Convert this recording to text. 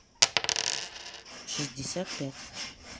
шестьдесят пять